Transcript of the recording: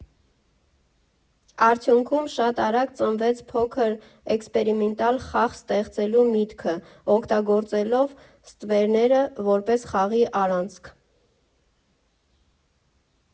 Արդյունքում շատ արագ ծնվեց փոքր էքսպերիմենտալ խաղ ստեղծելու միտքը՝ օգտագործելով ստվերները՝ որպես խաղի առանցք։